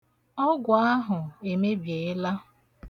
Ọgwu ̣ahụ emebiela.